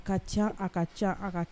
Ka can a ka can a ka